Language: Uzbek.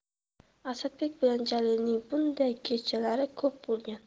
asadbek bilan jalilning bunday kechalari ko'p bo'lgan